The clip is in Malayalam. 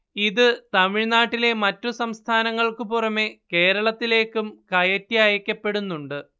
ഇത് തമിഴ്നാട്ടിലെ മറ്റു സംസ്ഥാനങ്ങൾക്കു പുറമേ കേരളത്തിലേക്കും കയറ്റി അയക്കപ്പെടുന്നുണ്ട്